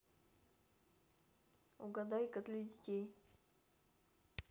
угадайка для детей